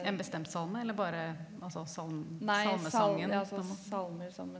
en bestemt salme eller bare altså salmesangen på en måte?